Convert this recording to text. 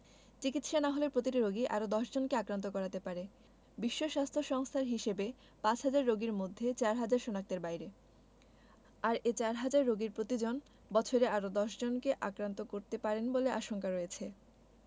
চিকিৎসা না হলে প্রতিটি রোগী আরও ১০ জনকে আক্রান্ত করাতে পারে বিশ্ব স্বাস্থ্য সংস্থার হিসেবে পাঁচহাজার রোগীর মধ্যে চারহাজার শনাক্তের বাইরে আর এ চারহাজার রোগীর প্রতিজন বছরে আরও ১০ জনকে আক্রান্ত করতে পারেন বলে আশঙ্কা রয়েছে